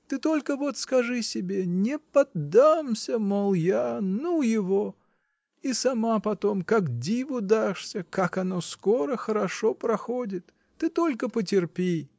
Ты только вот скажи себе: "Не поддамся, мол, я, ну его!" -- и сама потом как диву дашься", как оно скоро, хорошо проходит. Ты только потерпи.